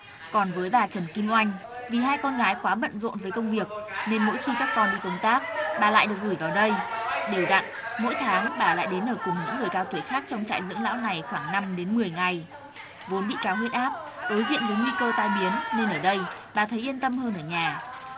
còn với bà trần kim oanh vì hai con gái quá bận rộn với công việc nên mỗi khi các con đi công tác bà lại được gửi vào đây đều đặn mỗi tháng bà lại đến ở cùng những người cao tuổi khác trong trại dưỡng lão này khoảng năm đến mười ngày vốn bị cao huyết áp đối diện với nguy cơ tai biến nên ở đây bà thấy yên tâm hơn ở nhà